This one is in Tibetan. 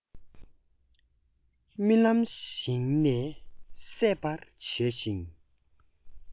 རྨི ལམ གྱི ཞིང ནས སད པར བྱས ཤིང